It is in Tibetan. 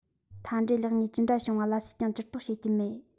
མཐའ འབྲས ལེགས ཉེས ཅི འདྲ བྱུང བ ལ སུས ཀྱང ཇུས གཏོགས བྱེད ཀྱི མེད